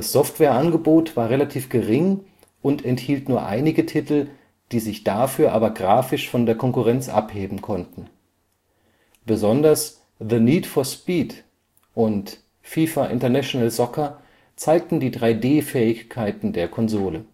Softwareangebot war relativ gering und enthielt nur einige Titel, die sich dafür aber grafisch von der Konkurrenz abheben konnten. Besonders The Need for Speed und FIFA International Soccer zeigten die 3D-Fähigkeiten der Konsole